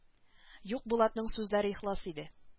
Юк булатның сүзләре ихлас иде